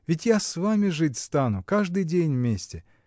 Ведь я с вами жить стану, каждый день вместе.